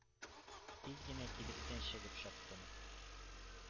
Тиз генә кибеттән чыгып чаптым.